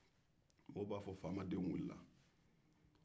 mɔgɔw b'a fɔ faama denw wulila